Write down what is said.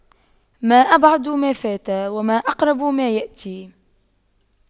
ما أبعد ما فات وما أقرب ما يأتي